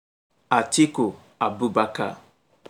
Atiku Abubakar